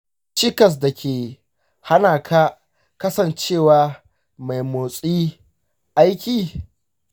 akwai cikas da ke hana ka kasancewa mai motsi/aiki?